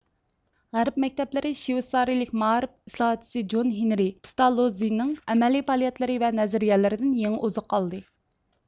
غەرب مەكتەپلىرى شۋېتسارىيىلىك مائارىپ ئىسلاھاتچىسى جون ھېنرى پېستالوززىنىڭ ئەمەلىي پائالىيەتلىرى ۋە نەزەرىيىلىرىدىن يېڭى ئوزۇق ئالدى